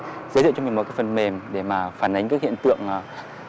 giới thiệu cho mình một cái phần mềm để mà phản ánh các hiện tượng à